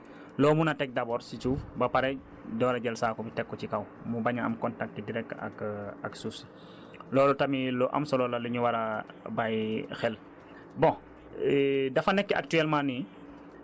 donc xoolal loo xam ne soit ay bant la wala leneen loo mun a teg d' abord si suuf ba pare door a jël saaku bi teg ko ci kaw mu bañ a am contact direct ak ak suuf si loolu tamit lu am solo la lu ñu war a bàyyi xel